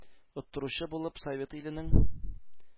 Оттыручы булып, совет иленең,